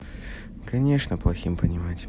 конечно плохим понимать